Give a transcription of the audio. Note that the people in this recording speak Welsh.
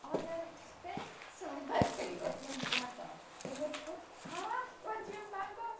Ond yym beth sylwes i wythnos diwethaf yw bod twll arall wedi ymddangos